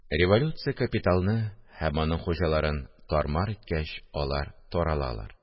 Революция капиталны һәм аның хуҗаларын тар-мар иткәч , алар таралалар